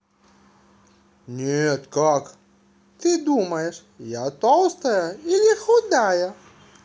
нет как ты думаешь я толстая или худая